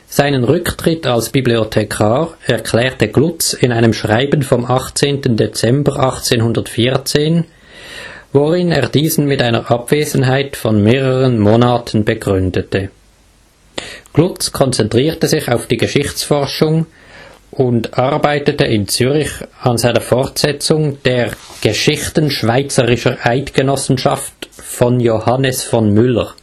Seinen Rücktritt als Bibliothekar erklärte Glutz in einem Schreiben vom 18. Dezember 1814, worin er diesen mit einer Abwesenheit von mehreren Monaten begründete. Glutz konzentrierte sich auf auf die Geschichtsforschung und arbeitete in Zürich an seiner Fortsetzung der Geschichten Schweizerischer Eidgenossenschaft von Johannes von Müller